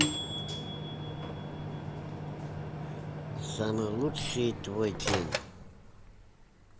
самый лучший твой день